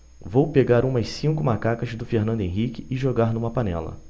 vou pegar umas cinco macacas do fernando henrique e jogar numa panela